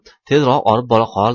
tezroq olib bora qol